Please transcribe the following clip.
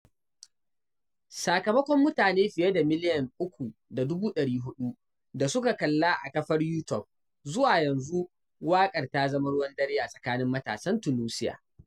Sakamakon mutane fiye da miliyan 3.4 da suka kalla a kafar YouTube zuwa yanzu, waƙar ta zama ruwan dare a tsakanin matasan Tunusia.